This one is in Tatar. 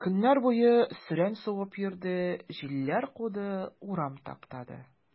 Көннәр буе сөрән сугып йөрде, җилләр куды, урам таптады.